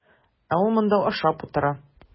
Ә ул монда ашап утыра.